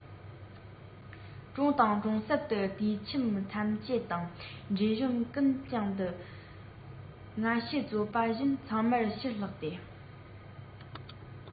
གྲོང དང གྲོང གསེབ ཏུ དུས ཁྱིམ ཐམས ཅད དང བགྲེས གཞོན ཀུན ཀྱང དུ ཀྱི སྔ ཕྱི རྩོད པ བཞིན ཚང མ ཕྱིར ལྷགས ཏེ